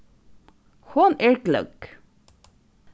hon er gløgg